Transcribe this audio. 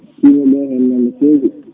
*